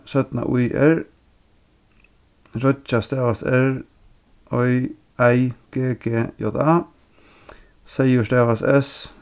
ý r reiggja stavast r oy ei g g j a seyður stavast s